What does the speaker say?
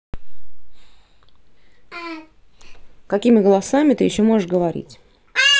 какими голосами ты еще можешь говорить